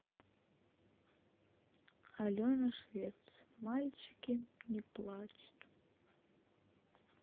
алена швец мальчики не плачут